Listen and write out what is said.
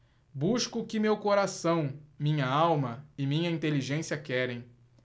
busco o que meu coração minha alma e minha inteligência querem